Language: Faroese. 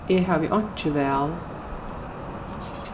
eg havi einki val